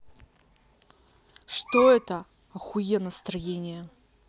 что это охуенно строения